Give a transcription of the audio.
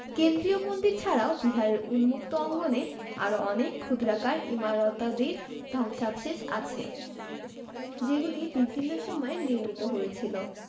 কেন্দ্রীয় মন্দির ছাড়াও বিহারের উম্মুক্ত অঙ্গনে আরও অনেক ক্ষুদ্রাকার ইমারতাদির ধ্বংসাবশেষ আছে যেগুলি বিভিন্ন সময়ে নির্মিত হয়েছিল